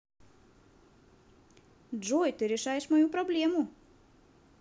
джой ты решаешь мою проблему